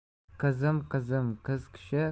qizim qizim qiz kishi